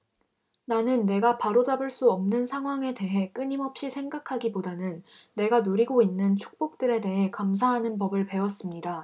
나는 내가 바로잡을 수 없는 상황에 대해 끊임없이 생각하기보다는 내가 누리고 있는 축복들에 대해 감사하는 법을 배웠습니다